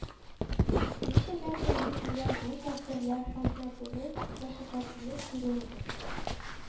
Ничәгә тәги кадәр бу кәферләр хәзмәтене, мәшәкатене күрербез